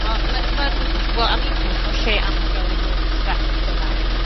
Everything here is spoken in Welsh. A ma'n ma'n, wel am un peth, mae o'n lle anhygoel i fod beth bynnag.